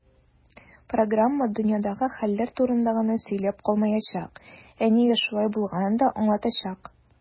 Программа "дөньядагы хәлләр турында гына сөйләп калмаячак, ә нигә шулай булганын да аңлатачак".